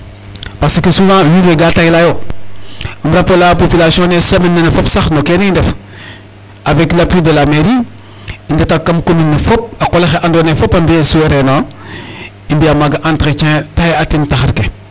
Parce que souvent wiin we ga taylaayo um rappeler a population ee semaine nene fop sax no kene i ndef avec l' appui de la mairie i ndeta kam commune ne fop xa qol axe andoona yee fop a mbi'e sur RNA i mbi'a ma entretien taye'atin taxar ke.